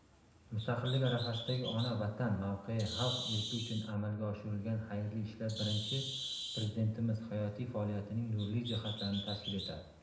mustaqillik arafasidagi ona vatan mavqei xalq erki uchun amalga oshirgan xayrli ishlar birinchi prezidentimiz hayotiy faoliyatining nurli jihatlarini tashkil etadi